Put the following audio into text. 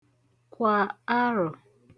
kwà arọ̀